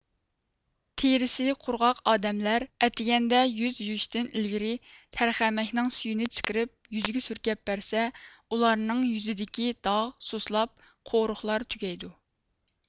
تېرىسى قۇرغاق ئادەملەر ئەتىگەندە يۈز يۇيۇشتىن ئىلگىرى تەرخەمەكنىڭ سۈيىنى چىقىرىپ يۈزىگە سۈركەپ بەرسە ئۇلارنىڭ يۈزىدىكى داغ سۇسلاپ قورۇقلار تۈگەيدۇ